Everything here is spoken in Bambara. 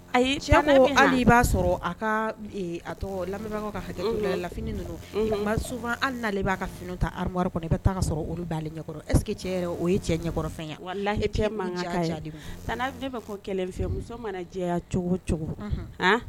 A b'a sɔrɔ a ka a ka lafini suba ala ka fini ta kɔnɔ i bɛ taa sɔrɔale ɲɛkɔrɔ eske cɛ o ye cɛ ɲɛkɔrɔfɛn ye layi ka kɛlɛ muso manajɛya cogo cogo